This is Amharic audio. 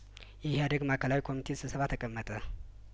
የኢህአደግ ማእከላዊ ኮሚቴ ስብሰባ ተቀመጠ